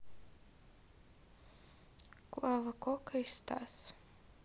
клава кока и стас